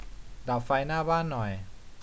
ดับไฟหน้าบ้านหน่อย